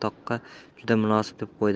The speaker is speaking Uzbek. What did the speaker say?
qarab buratoqqa juda munosib deb qo'ydi